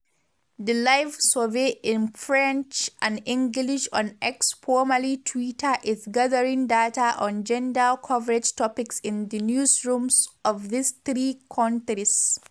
The live survey in French and English on X (formerly Twitter) is gathering data on gender coverage topics in the newsrooms of these three countries.